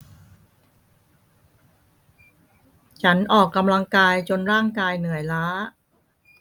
ฉันออกกำลังกายจนร่างกายเหนื่อยล้า